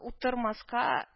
Утырмаска